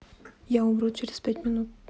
я умру через пять минут